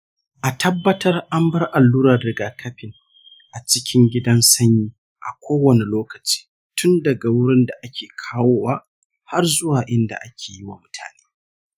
a tabbatar an bar allurar rigakafin a cikin gidan sanyi a kowani lokaci tunda daga wurin da ake kawowa har zuwa inda ake yi wa mutane.